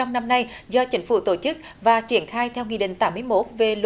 trong năm nay do chính phủ tổ chức và triển khai theo nghị định tám mươi mốt về